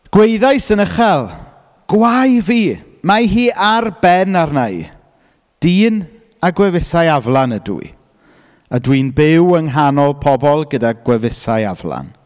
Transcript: Gwaeddais yn uchel, gwae fi mae hi ar ben arna i. Dyn â gwefusau aflan ydw i a dwi'n byw ynghanol pobl gyda gwefusau aflan.